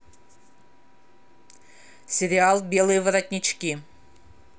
сериал белые воротнички